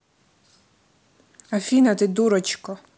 афина ты дурочка